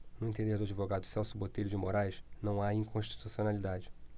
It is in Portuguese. no entender do advogado celso botelho de moraes não há inconstitucionalidade